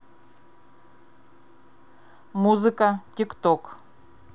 музыка тик ток